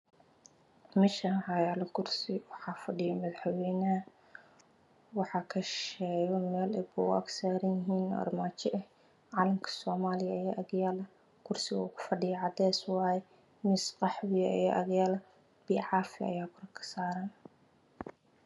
Me Shan waxa yalo kursi waxa fadhiya madax wey naha waxa ka sha sheyo mel ey bugag saran yihin o armajo eh Calan ka soomaliya aya ag yala kursi ga uku fadhiya cades waye miis qaxwi aya agyala biya caafi aya kur kasaran